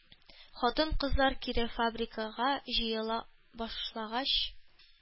Хатын-кызлар кире фабрикага җыела башлагач,